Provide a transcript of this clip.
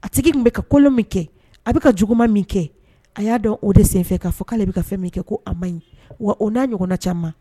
A tigi bɛka ka kolon min kɛ a bɛ ka juguman min kɛ a y'a dɔn o de senfɛ k'a fɔ k'ale bɛ ka fɛn min kɛ ko a ma ɲi wa o n'a ɲɔgɔnna caman